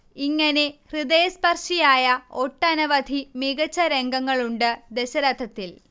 ഇങ്ങനെ ഹൃദയസ്പർശിയായ ഒട്ടനവധി മികച്ച രംഗങ്ങളുണ്ട് ദശരഥത്തിൽ